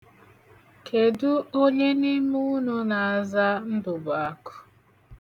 Kedụ onye n'ime unu na-aza Ndụ̀bụ̀àkụ̀?